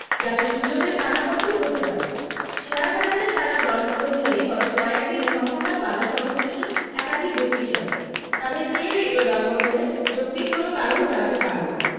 যাতে সূচকের টানা পতন ঘটতে পারে শেয়ার বাজারের টানা দরপতন নিয়ে গত কয়েক দিনে কথা হয় বাজারসংশ্লিষ্ট একাধিক ব্যক্তির সঙ্গে তাঁদের কেউই এ দরপতনের যৌক্তিক কোনো কারণ জানাতে পারেননি